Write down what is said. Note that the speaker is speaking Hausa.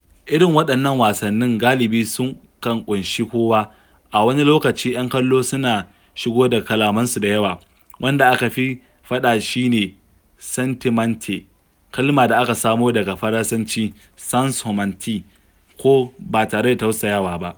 Irin waɗannan wasannin galibi sukan ƙunshi kowa, a wani lokacin 'yan kallo suna shigo da kalamansu da yawa, wanda aka fi faɗa shi ne "Santimanitay!" kalmar da aka samo daga Faransancin "sans humanite", ko "ba tare da tausayawa ba".